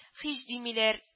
Һич димиләр